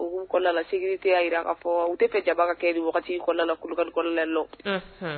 Kɔnɔna tɛ y jira ka fɔ u tɛ jaba ka kɛ nin kɔnɔna la kɔnɔnala nɔ